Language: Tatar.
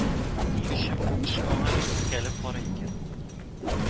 Ни өчен бу кеше аңа бик текәлеп карый икән